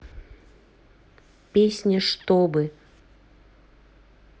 песня чтобы